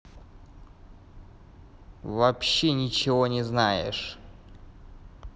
вообще ничего не знаешь